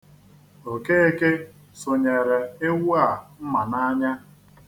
Okeke sụnyere ewu a mma n'anya.